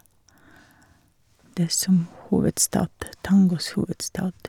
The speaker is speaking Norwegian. Det som hovedstad tangos hovedstad.